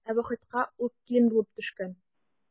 Ә Вахитка ул килен булып төшкән.